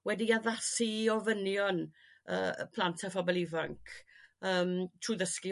wedi'i addasu i ofynion yrr y plant â phobl ifanc yrm trw' dysgu